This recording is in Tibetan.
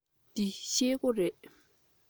འདི ཤེལ སྒོ རེད